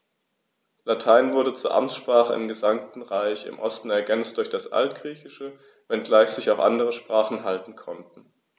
Latein wurde zur Amtssprache im gesamten Reich (im Osten ergänzt durch das Altgriechische), wenngleich sich auch andere Sprachen halten konnten.